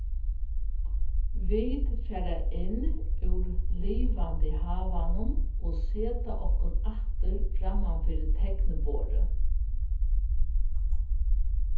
vit fara inn úr livandi havanum og seta okkum aftur framman fyri tekniborðið